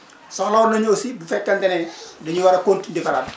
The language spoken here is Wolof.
soxla woon nañu aussi bu fekkente ne dañoo war a cont di faral